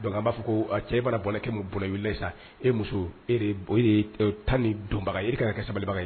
Don a b'a fɔ ko cɛ mana bɔnɛkɛ bɔra wilila sa e muso e bɔ e tan ni donbaga e kana kɛ sabalibalibaga ye